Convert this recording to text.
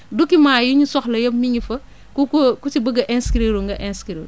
documents yi ñu soxla yëpp mi ngi fa ku ko ku si bëgg a inscrire nga inscrire